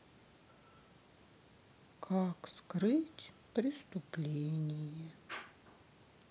как скрыть преступление